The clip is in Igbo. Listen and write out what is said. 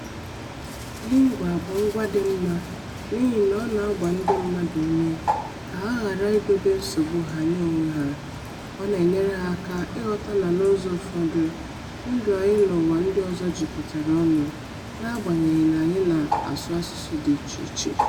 Lingua bụ ngwa dị mma n'ihi na ọ na-agba ndị mmadụ ume ka ha ghara idobe nsogbu ha nye onwe ha, ọ na-enyere ha aka ịghọta na n’ụzọ ụfọdụ, ndụ anyị na ụwa ndị ọzọ jikọtara ọnụ, n’agbanyeghị na anyị na-asụ asụsụ dị icheiche.